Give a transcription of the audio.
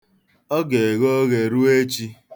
Ọ ga-eghe oghe ruo echi.